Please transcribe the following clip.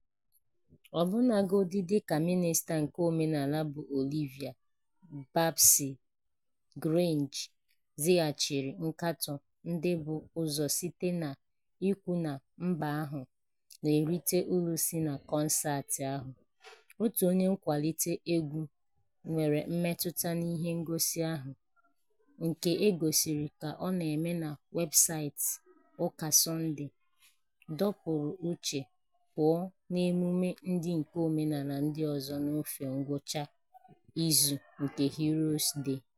Ọbụnagodi dịka Mịnịsta nke Omenala bụ Olivia "Babsy" Grange zahachiri nkatọ ndị bu ụzọ site n'ikwu na mba ahụ na-erite uru si na kọnseetị ahụ, otu onye nkwalite egwu nwere mmetụta n'ihe ngosi ahụ, nke e gosiri ka ọ na-eme na webusaịtị Ụka Sọnde, "dọpụrụ uche" pụọ n'emume ndị nke omenala ndị ọzọ n'ofe ngwụcha izu nke Heroes Day.